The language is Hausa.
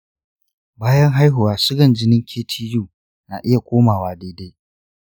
bayan haihuwa sugan jinin ktu na iya komawa daidai.